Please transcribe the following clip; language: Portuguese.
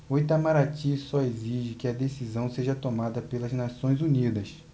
o itamaraty só exige que a decisão seja tomada pelas nações unidas